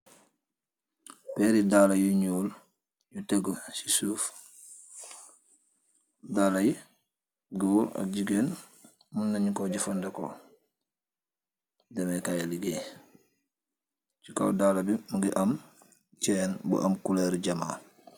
Perri daala yu nuul yu tegu si suuf daala yi goor ak jiguen mun nen ko jefendeko demeh kai leguaye si kaw daala bi mogi aam chain bu aam colur yi jaama.